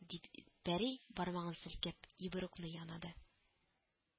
— дип пәри, бармагын селкеп, ибрукны янады